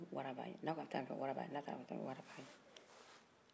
wara b'a ɲɛ n'a ka bɛ taa yan fɛ wara b'a ɲɛ n'a ka bɛ taa yan fɛ wara b'a ɲɛ